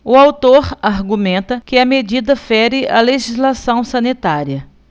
o autor argumenta que a medida fere a legislação sanitária